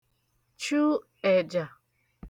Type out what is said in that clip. chụ ẹ̀jà